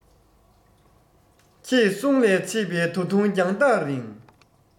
ཁྱེད གསུང ལས མཆེད པའི ད དུང རྒྱང ཐག རིང